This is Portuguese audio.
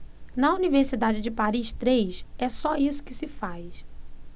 na universidade de paris três é só isso que se faz